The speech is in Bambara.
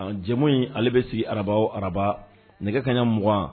Jamu in ale bɛ sigi araba araba nɛgɛ kaɲaugan